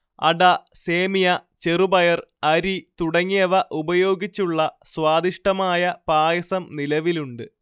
അട, സേമിയ, ചെറുപയർ, അരി തുടങ്ങിയവ ഉപയോഗിച്ചുള്ള സ്വാദിഷ്ഠമായ പായസം നിലവിലുണ്ട്